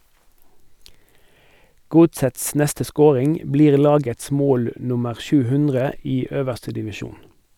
Godsets neste scoring blir lagets mål nummer 700 i øverste divisjon.